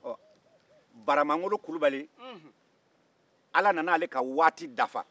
ɔ baramangolo kulubali ala nana ale ka waati dafa